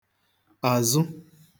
àzụ